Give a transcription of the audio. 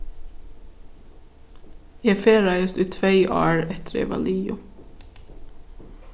eg ferðaðist í tvey ár eftir at eg varð liðug